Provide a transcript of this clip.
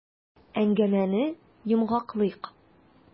Әңгәмәне йомгаклыйк.